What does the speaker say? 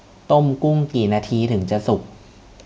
ต้มกุ้งกี่นาทีถึงจะสุก